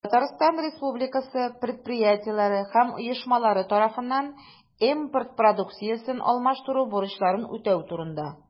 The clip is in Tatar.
Татарстан Республикасы предприятиеләре һәм оешмалары тарафыннан импорт продукциясен алмаштыру бурычларын үтәү турында.